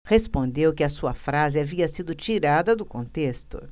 respondeu que a sua frase havia sido tirada do contexto